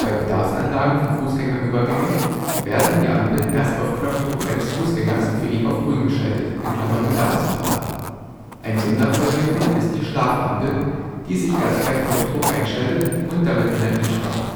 Bedarfsanlagen für Fußgängerübergänge werden die Ampeln erst auf Knopfdruck eines Fußgängers für ihn auf Grün geschaltet (Bedarfsphase). Ein Sonderfall hiervon ist die „ Schlafampel “, die sich erst beim Knopfdruck einschaltet und damit Energie spart